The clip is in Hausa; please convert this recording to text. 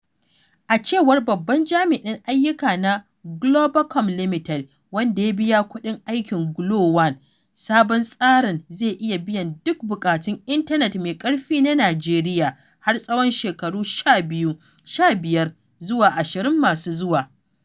A cewar Babban Jami’in Ayyuka na Globacom Limited, wanda ya biya kuɗin aikin GLO-1, sabon tsarin zai iya biyan duk buƙatun intanet mai ƙarfi na Najeriya har tsawon shekaru 15 zuwa 20 masu zuwa.